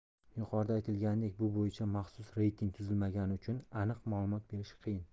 yuqorida aytilganidek bu bo'yicha maxsus reyting tuzilmagani uchun aniq ma'lumot berish qiyin